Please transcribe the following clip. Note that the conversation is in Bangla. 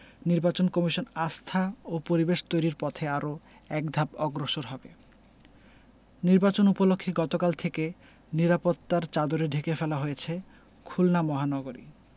নির্বাচন কমিশন আস্থা ও পরিবেশ তৈরির পথে আরো একধাপ অগ্রসর হবে নির্বাচন উপলক্ষে গতকাল থেকে নিরাপত্তার চাদরে ঢেকে ফেলা হয়েছে খুলনা মহানগরী